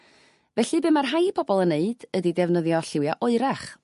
Felly be' ma' rhai pobol yn neud ydi defnyddio lliwia' oerach